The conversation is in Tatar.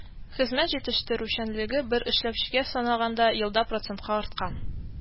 Хезмәт җитештерүчәнлеге, бер эшләүчегә санаганда, елда процентка арткан